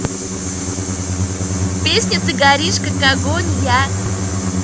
песня ты горишь как огонь я